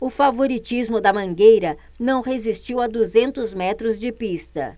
o favoritismo da mangueira não resistiu a duzentos metros de pista